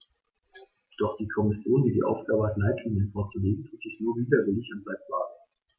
Doch die Kommission, die die Aufgabe hat, Leitlinien vorzulegen, tut dies nur widerwillig und bleibt vage.